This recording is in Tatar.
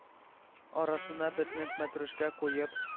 Арасына бөтнек, мәтрүшкә куеп